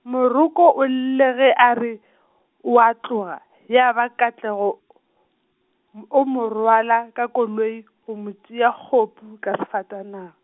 Moroko o ile ge a re , o a tloga, ya ba Katlego m-, o mo rwala ka koloi , go mo tšea kgopu ka sefatanaga.